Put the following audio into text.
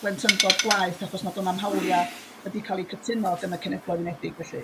blentyndod gwaeth achos na do' 'na'm hawlia' wedi ca'l eu cytuno gan y Cenhedloedd Unedig felly